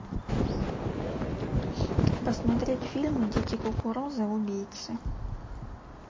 посмотреть фильмы дети кукурузы убийцы